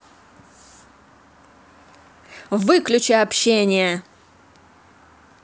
выключи общение